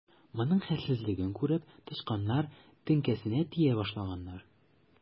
Моның хәлсезләнүен күреп, тычканнар теңкәсенә тия башлаганнар.